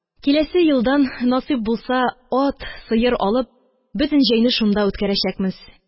Киләсе елдан, насыйп булса, ат, сыер алып, бөтен җәйне шунда үткәрәчәкмез.